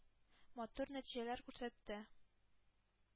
Матур нәтиҗәләр күрсәтте.